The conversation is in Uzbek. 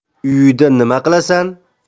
uyida nima qilasan